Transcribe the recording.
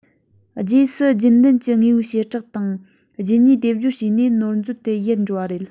རྗེས སུ རྒྱུན ལྡན གྱི དངོས པོའི བྱེ བྲག དང རྒྱུད གཉིས སྡེབ སྦྱོར བྱས ནས ནོར འཛོལ དེ ཡལ འགྲོ བ ཡིན